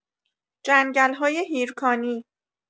جنگل‌های هیرکانی